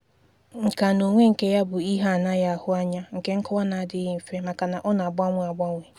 Nkà n'onwe nke ya bụ̀, ihe anaghị ahụ anya, nke nkọwa na-adịghị mfè maka na ọ na-agbanwe agbanwe.